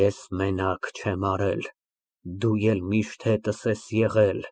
Ես մենակ չեմ արել, դու էլ միշտ հետս ես եղել։